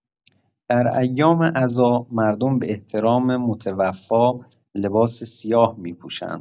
در ایام عزا، مردم به احترام متوفی لباس سیاه می‌پوشند.